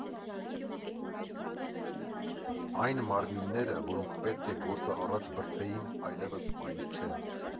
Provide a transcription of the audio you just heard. Այն մարմինները, որոնք պետք է գործը առաջ բրդեին՝ այլևս այն չեն։